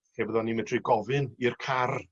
lle fyddan ni' medru gofyn i'r car